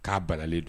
K'a balalen don